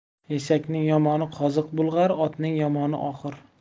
eshakning yomoni qoziq bulg'ar otning yomoni oxur